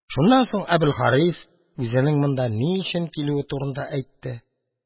Шуннан соң Әбелхарис үзенең монда ни өчен килүе турында әйтте. Аңа каршы Әбүгалисина: